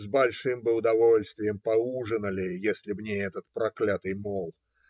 с большим бы удовольствием поужинали, если б не этот проклятый мол.